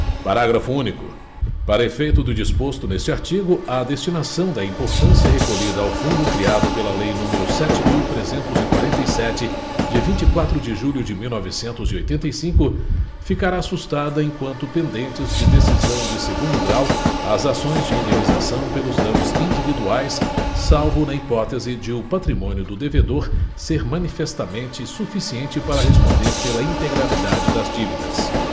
parágrafo único para efeito do disposto neste artigo a destinação da importância recolhida ao fundo criado pela lei número sete mil trezentos e quarenta e sete de vinte e quatro de julho de mil novecentos e oitenta e cinco ficará sustada enquanto pendentes de decisão de segundo grau as ações de indenização pelos danos individuais salvo na hipótese de o patrimônio do devedor ser manifestamente suficiente para responder pela integralidade das dívidas